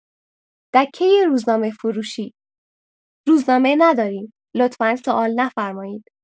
دکۀ روزنامه فروشی: روزنامه نداریم لطفا سوال نفرمایید!